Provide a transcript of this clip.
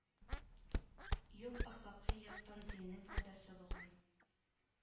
Юк әхлакый яктан диннең файдасы булган